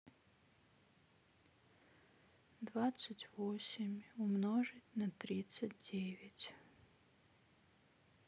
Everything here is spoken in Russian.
двадцать восемь умножить на тридцать девять